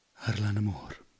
Ar Lan y Môr.